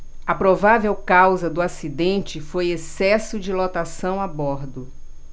a provável causa do acidente foi excesso de lotação a bordo